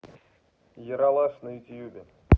ералаш на ютубе